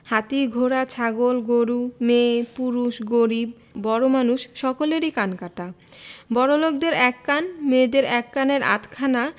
হাতি ঘোড়া ছাগল গরু মেয়ে পুরুষ গরিব বড়োমানুয সকলেরই কান কাটা বড়োলোকদের এক কান মেয়েদের এক কানের আধখানা